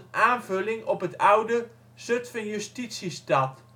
aanvulling op het oude Zutphen justitiestad